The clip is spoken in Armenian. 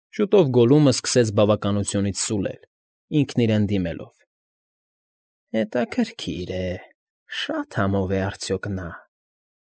Շուտով Գոլլումն սկսեց բավականությունից սուլել՝ ինքն իրեն դիմելով. ֊ Հետաքրքիր է, շ֊շ֊շա՞տ համով է արդյոք նա։